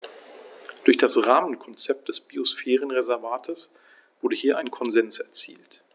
Durch das Rahmenkonzept des Biosphärenreservates wurde hier ein Konsens erzielt.